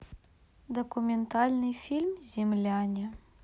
документальный фильм земляне